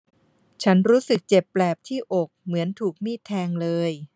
ฉันรู้สึกเจ็บแปลบที่อกเหมือนถูกมีดแทงเลย